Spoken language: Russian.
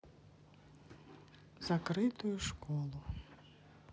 закрытую школу